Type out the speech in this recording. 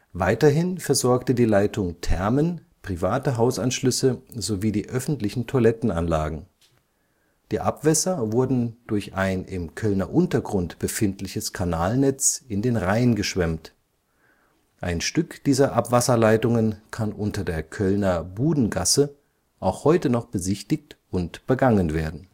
Weiterhin versorgte die Leitung Thermen, private Hausanschlüsse sowie die öffentlichen Toilettenanlagen. Die Abwässer wurden durch ein im Kölner Untergrund befindliches Kanalnetz in den Rhein geschwemmt. Ein Stück dieser Abwasserleitungen kann unter der Kölner Budengasse auch heute noch besichtigt und begangen werden